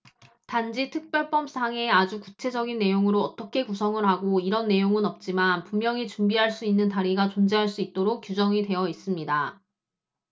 단지 특별법상에 아주 구체적인 내용으로 어떻게 구성을 하고 이런 내용은 없지만 분명히 준비할 수 있는 다리가 존재할 수 있도록 규정이 되어 있습니다